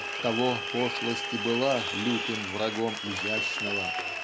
Оттого пошлость и была лютым врагом изящного